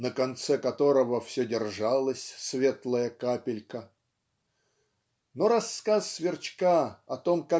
на конце которого все держалась светлая капелька" но рассказ Сверчка о том